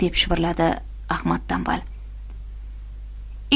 deb shivirladi ahmad tanbal